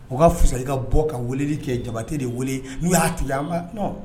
U ka fisasali ka bɔ ka weeleli cɛ jabatɛ de wele n'u y'a tile an